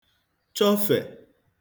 chọfe